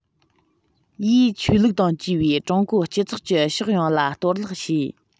ཡིས ཆོས ལུགས དང བཅས པའི ཀྲུང གོའི སྤྱི ཚོགས ཀྱི ཕྱོགས ཡོངས ལ གཏོར བརླག བྱས